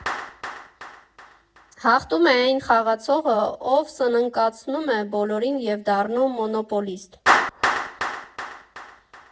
Հաղթում է այն խաղացողը, ով սնանկացնում է բոլորին և դառնում մոնոպոլիստ։